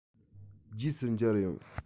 རྗེས སུ མཇལ ཡོང